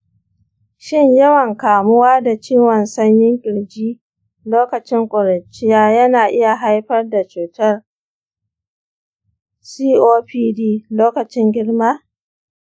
shin yawan kamuwa da ciwon sanyin ƙirji lokacin ƙuruciya yana iya haifar da cutar copd lokacin girma?